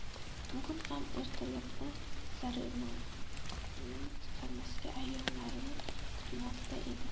bugun ham ertalabdan saroymonand xonasida a'yonlarini kutmoqda edi